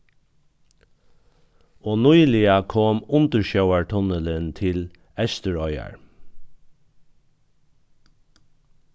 og nýliga kom undirsjóvartunnilin til eysturoyar